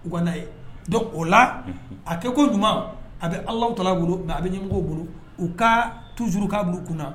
U ka'a ye dɔn o la a kɛ ko ɲuman a bɛ ala ta bolo mɛ a bɛ ɲɛmɔgɔ bolo u ka tuuru k'a kunna